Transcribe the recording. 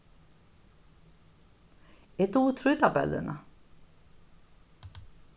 eg dugi trýtabellina